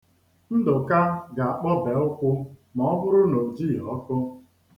Ndụka ga-akpọbe ụkwụ ma ọ bụrụ na o jighị ọkụ.